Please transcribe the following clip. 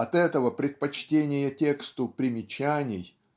от этого предпочтения тексту примечаний